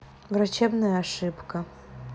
врачебная ошибка